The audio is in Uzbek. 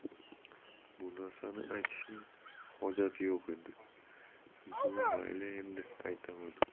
bu narsani aytishning hojati yo'q edi yu mayli endi aytaman